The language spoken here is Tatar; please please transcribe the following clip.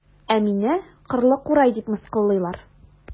Ә мине кырлы курай дип мыскыллыйлар.